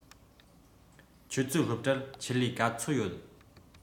ཁྱོད ཚོའི སློབ གྲྭར ཆེད ལས ག ཚོད ཡོད